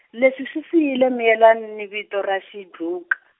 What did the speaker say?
leswi swi siyile Miyelani ni vito ra Xidluka.